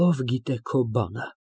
Ո՞վ գիտե քո բանը։